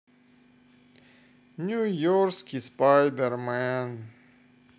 нью йоркский спайдер мэн